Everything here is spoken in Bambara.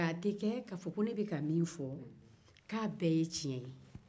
nka a tɛ kɛ k'a fɔ ko ne bɛ ka min fɔ k'a bɛɛ ye tiɲɛ ye